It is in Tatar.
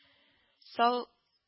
— ...сал